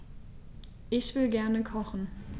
Ich will gerne kochen.